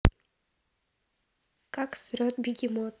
как срет бегемот